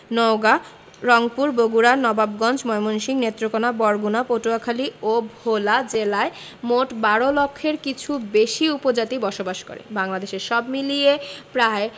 নওগাঁ রংপুর বগুড়া নবাবগঞ্জ ময়মনসিংহ নেত্রকোনা বরগুনা পটুয়াখালী ও ভোলা জেলায় মোট ১২ লক্ষের কিছু বেশি উপজাতি বসবাস করে বাংলাদেশে সব মিলিয়ে প্রায়